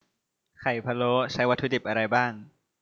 ไข่พะโล้ใช้วัตถุดิบอะไรบ้าง